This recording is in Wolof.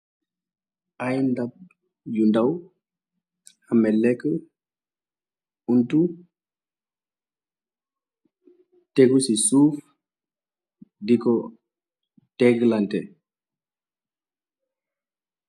Ay ndab yu ndaw ame lekk untu tégu ci suuf di ko tégglanté.